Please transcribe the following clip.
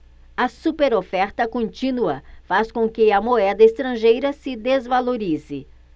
a superoferta contínua faz com que a moeda estrangeira se desvalorize